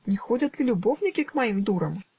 Не ходят ли любовники к моим дурам?